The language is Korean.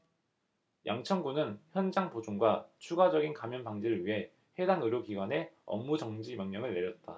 양천구는 현장 보존과 추가적인 감염 방지를 위해 해당 의료기관에 업무정지 명령을 내렸다